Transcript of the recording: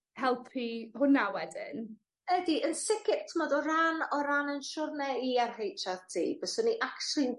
helpu hwnna wedyn. Ydi yn sici- t'mod o ran o ran 'yn siwrne i ar Heitch Are Tee byswn i actiwaly'n